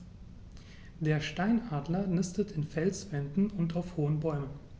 Der Steinadler nistet in Felswänden und auf hohen Bäumen.